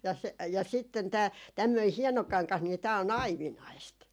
ja ja sitten tämä tämmöinen hieno kangas niin tämä on aivinaista